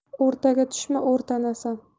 o'rtaga tushma o'rtanasan